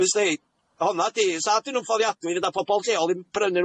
W'sti, honna 'di 'sa 'dyn nw'n ffoddiadwy fedar pobol lleol 'im brynu